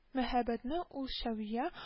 Мәһәббәтне үлчәүгә